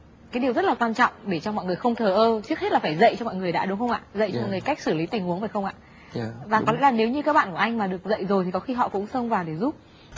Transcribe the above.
cái điều rất là quan trọng để cho mọi người không thờ ơ trước hết là phải dạy cho mọi người đã đúng không ạ dạy người cách xử lý tình huống phải không ạ và có lẽ là nếu như các bạn của anh mà được dậy rồi thì có khi họ cũng xông vào để giúp